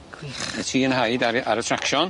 Gwych!. 'Na ti 'yn nhaid ar e ar y tracsion.